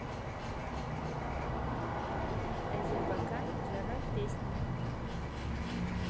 azerbaycan жара песня